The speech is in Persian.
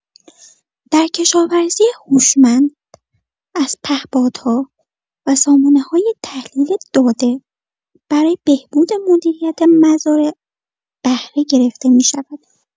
در کشاورزی هوشمند از پهپادها و سامانه‌های تحلیل داده برای بهبود مدیریت مزارع بهره گرفته می‌شود.